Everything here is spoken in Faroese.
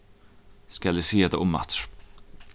skal eg siga tað umaftur